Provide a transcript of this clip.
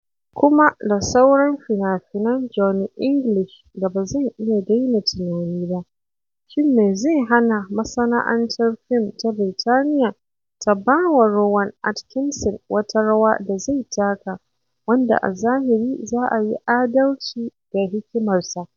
Kuma da sauran fina-finan Johnny English ba zan iya daina tunani ba: shin me zai hana masana'antar fim ta Birtaniyya ta ba wa Rowan Atkinson wata rawa da zai taka wanda a zahiri za yi adalci ga hikimarsa?